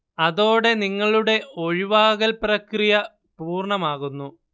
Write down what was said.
അതോടെ നിങ്ങളുടെ ഒഴിവാകൽ പ്രക്രിയ പൂർണ്ണമാകുന്നു